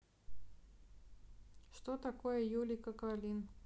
что такое юлика калин